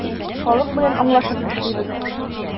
Халык белән аңлашып эшлибез.